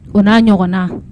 O na ɲɔgɔn na